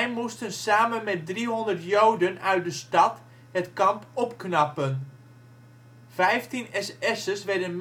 moesten samen met driehonderd Joden uit de stad het kamp opknappen. Vijftien SS'ers werden